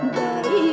để